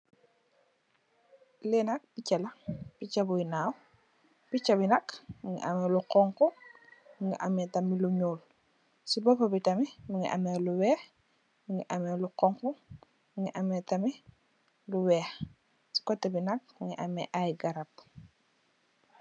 Li nak picha la, picha bi ñaw. Picha bi nak mungi ameh lu honku, mungi ameh tamit lu ñuul. Ci boppa bi tamit mungi ameh lu weeh, mungi ameh lu honku, mungi ameh tamit lu weeh. Ci kotè bi nak mungi ameh ay garab.